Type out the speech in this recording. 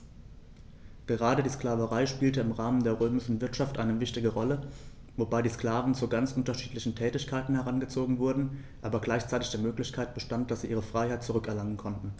Gerade die Sklaverei spielte im Rahmen der römischen Wirtschaft eine wichtige Rolle, wobei die Sklaven zu ganz unterschiedlichen Tätigkeiten herangezogen wurden, aber gleichzeitig die Möglichkeit bestand, dass sie ihre Freiheit zurück erlangen konnten.